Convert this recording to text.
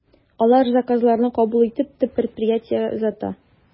Алар заказларны кабул итеп, төп предприятиегә озата.